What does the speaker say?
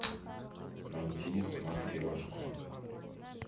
найти смотрешку